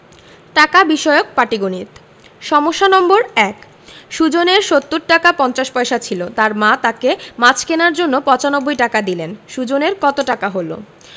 টাকা বিষয়ক পাটিগনিতঃ সমস্যা নম্বর ১ সুজনের ৭০ টাকা ৫০ পয়সা ছিল তার মা তাকে মাছ কেনার জন্য ৯৫ টাকা দিলেন সুজনের কত টাকা হলো